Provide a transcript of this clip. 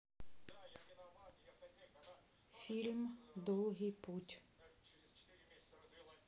фильм долгий путь